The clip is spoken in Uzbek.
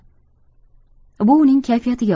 bu uning kayfiyatiga